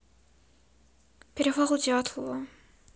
перевал дятлова